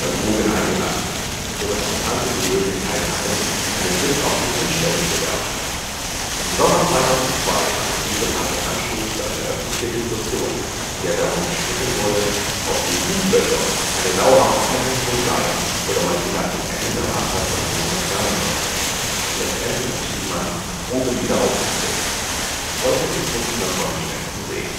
Gruben eingelassen, so dass Passanten die Möglichkeit hatten, einen Blick auf die Fundstellen zu werfen. Im Sommer 2002 waren diese Platten Anstoß für eine öffentliche Diskussion, in der darum gestritten wurde, ob die Gucklöcher eine dauerhafte Einrichtung seien oder man sie nach dem Ende der Marktplatz-Sanierung entfernen sollte. Letztendlich entschied man die Gruben wieder aufzufüllen. Heute ist nichts mehr von ihnen zu sehen